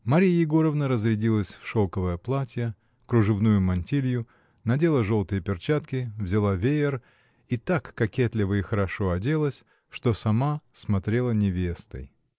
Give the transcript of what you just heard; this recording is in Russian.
Марья Егоровна разрядилась в шелковое платье, в кружевную мантилью, надела желтые перчатки, взяла веер — и так кокетливо и хорошо оделась, что сама смотрела невестой.